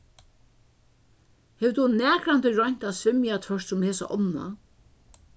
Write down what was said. hevur tú nakrantíð roynt at svimja tvørtur um hesa ánna